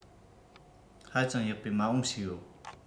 ཧ ཅང ཡག པའི མ འོངས ཞིག ཡོད